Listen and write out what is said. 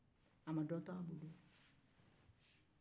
a ma dɔ to a bolo